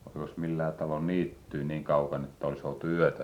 olikos millään talolla niittyä niin kaukana että olisi oltu yötä